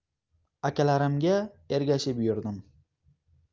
akalarimga ergashib yugurdim